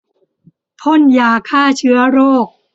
พ่นยาฆ่าเชื้อโรค